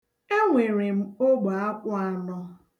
E nwere m ogbeakwụ anọ.